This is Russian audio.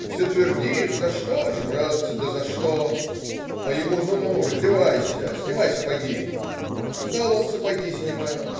Все твердит: "За что же, братцы, за что же?" - а ему: ну, ну, раздевайся, снимай сапоги. Сел он сапоги снимать.